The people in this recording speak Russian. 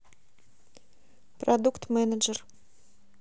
продукт менеджер